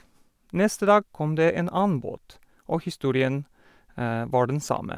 Neste dag kom det en annen båt, og historien var den samme.